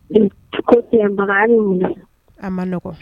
Ni ko a man nɔgɔn